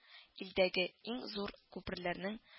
Илдәге иң зур күперләрнең